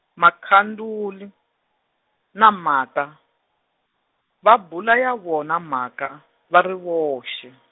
Makhanduli, na Martha, va bula ya vona mhaka, va ri voxe.